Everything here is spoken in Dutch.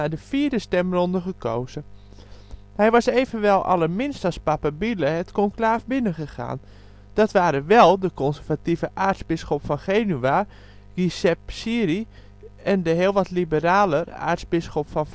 de vierde stemronde gekozen. Hij was evenwel allerminst als papabile het conclaaf binnen gegaan. Dat waren wel de " conservatieve " aartsbisschop van Genua, Guiseppe Siri en de heel wat " liberaler " aartsbisschop van